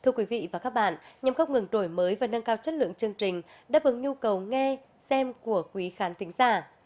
thưa quý vị và các bạn nhằm không ngừng đổi mới và nâng cao chất lượng chương trình đáp ứng nhu cầu nghe xem của quý khán thính giả